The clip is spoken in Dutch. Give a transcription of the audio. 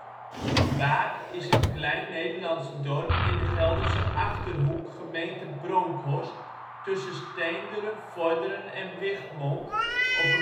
Boak) is een klein Nederlands dorp in de Gelderse Achterhoek, gemeente Bronckhorst, tussen Steenderen, Vorden en Wichmond, op